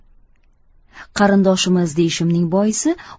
qarindoshimiz deyishimning boisi